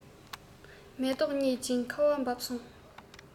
མེ ཏོག རྙིད ཅིང ཁ བ བབས སོང